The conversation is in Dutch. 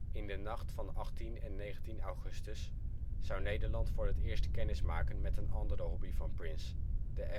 In de nacht van 18 en 19 augustus zou Nederland voor het eerst kennismaken met een andere hobby van Prince, de aftershow